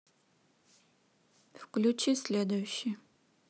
включи следующий